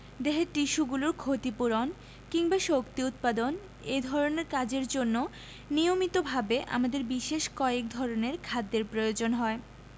দেহের টিস্যুগুলোর ক্ষতি পূরণ কিংবা শক্তি উৎপাদন এ ধরনের কাজের জন্য নিয়মিতভাবে আমাদের বিশেষ কয়েক ধরনের খাদ্যের প্রয়োজন হয়